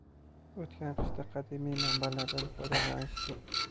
o'tgan qishda qadimiy manbalardan foydalanishga